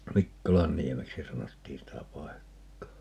Mikkolanniemeksi sanottiin sitä paikkaa